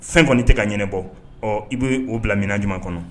Fɛn kɔni tɛ ka ɲɛnabɔ, ɔ i bɛ o bila minɛn jumɛn kɔnɔ